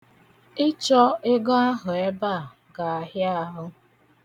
Ịchọ akwa ahụ ebe a ga-ahịa ahụ.